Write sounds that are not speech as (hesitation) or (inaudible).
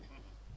(hesitation) (hesitation)